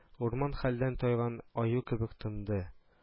Урман хәлдән тайган аю кебек тынды